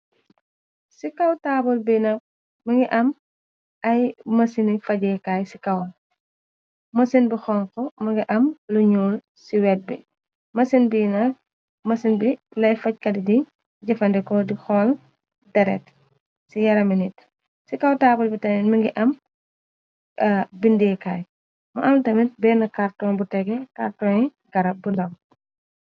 Ci kaw taabal bina bi ngi am ay mësini fajeekaay ci kawl mësin bi xonk mi ngi am lu ñuul ci wet bi mësin bna mësin bi lay fajkati di jëfandeko di xool deret ci yarami nit ci kaw taabal bi tanit mi ngi am bindeekaay mu am tamit benn karton bu tege cartoonyi garab bu ndaw.